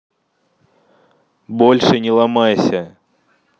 больше не ломайся